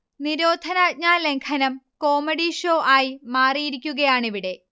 നിരോധനാജ്ഞ ലംഘനം comedy show ആയി മാറിയിരിക്കുകയാണ് ഇവിടെ